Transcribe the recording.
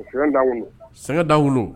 Da san daa wolo